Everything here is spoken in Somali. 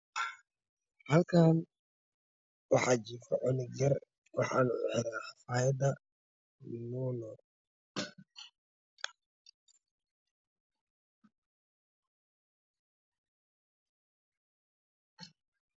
Halkaan waxaa jiifa cunug yar oo xafaayad nuuna uxiran tahay.